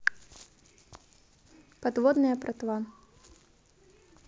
подводная братва